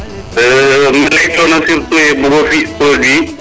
ne ley tona bugo fi produit